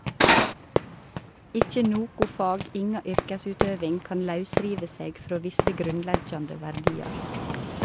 Ikkje noko fag, inga yrkesutøving, kan lausrive seg frå visse grunnleggjande verdiar.